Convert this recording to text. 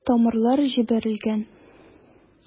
Тамырлар җибәрелгән.